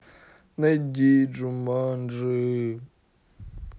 найди джуманджи